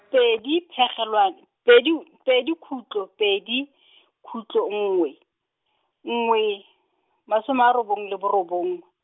pedi phegelwa- pedi pedi khutlo pedi , khutlo nngwe, nngwe, masome a robong le borobong.